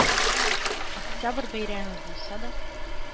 Октябрь бәйрәме булса да